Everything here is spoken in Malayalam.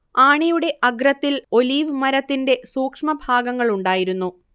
ആണിയുടെ അഗ്രത്തിൽ ഒലീവ് മരത്തിന്റെ സൂക്ഷ്മഭാഗങ്ങളുണ്ടായിരുന്നു